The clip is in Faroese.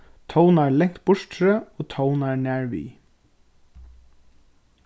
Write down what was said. tónar langt burturi og tónar nær við